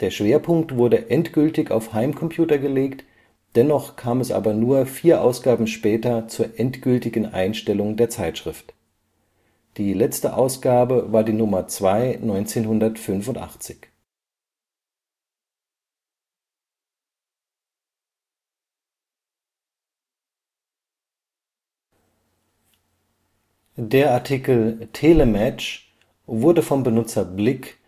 Schwerpunkt wurde endgültig auf Heimcomputer gelegt, dennoch kam es aber nur vier Ausgaben später zur endgültigen Einstellung der Zeitschrift. Die letzte Ausgabe war die Nummer 2/85